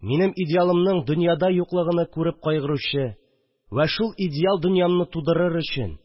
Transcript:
Минем идеалымның дөньяда юклыгыны күреп кайгыручы вә шул идеал дөньямны тудырыр өчен